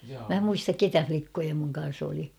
minä muista keitä likkoja minun kanssa oli